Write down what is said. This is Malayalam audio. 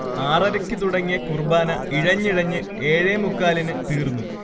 ആറരയ്ക്ക് തുടങ്ങിയ കുർബ്ബാന ഇഴഞ്ഞിഴഞ്ഞ് ഏഴേമുക്കാലിന് തീർന്നു